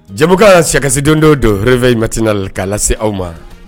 Jamukana sikasidon don don hɛrɛ bɛy matina la k'a lase aw ma